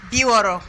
60